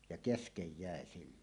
ja kesken jäi silloin